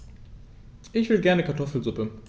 Ich will gerne Kartoffelsuppe.